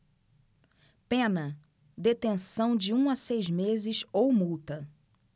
pena detenção de um a seis meses ou multa